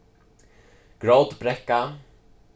grótbrekka